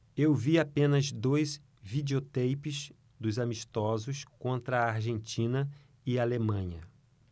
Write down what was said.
eu vi apenas dois videoteipes dos amistosos contra argentina e alemanha